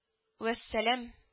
Вәссәлам